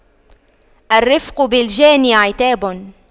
الرفق بالجاني عتاب